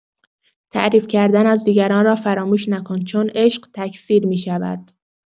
تعریف کردن از دیگران را فراموش نکن چون عشق تکثیر می‌شود.